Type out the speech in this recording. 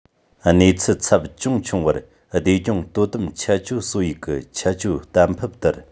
གནས ཚུལ ཚབས ཅུང ཆུང བར བདེ སྐྱོང དོ དམ ཆད གཅོད སྲོལ ཡིག གི ཆད གཅོད གཏན ཕབ ལྟར